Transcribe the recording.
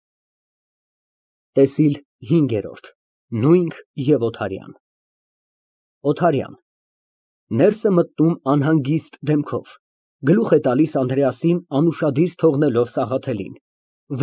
ՏԵՍԻԼ ՀԻՆԳԵՐՈՐԴ ՆՈՒՅՆՔ ԵՎ ՕԹԱՐՅԱՆ ՕԹԱՐՅԱՆ ֊ (Ներս է մտնում անհանգիստ դեմքով, գլուխ է տալիս Անդրեասին, անուշադիր թողնելով Սաղաթելին։